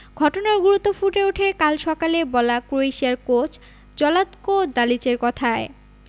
ঘটনার গুরুত্ব ফুটে ওঠে কাল সকালে বলা ক্রোয়েশিয়ার কোচ জ্লাতকো দালিচের কথায়